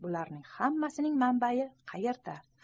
bularning hammasining manbai qayerda